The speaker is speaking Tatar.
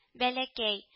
Бәләкәй